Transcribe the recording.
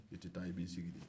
i tɛ taa i b'i sigi de